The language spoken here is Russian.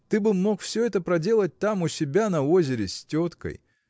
Ты бы мог все это проделать там, у себя, на озере, с теткой.